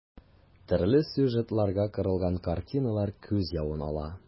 Төрле сюжетларга корылган картиналар күз явын ала.